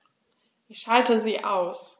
Ich schalte sie aus.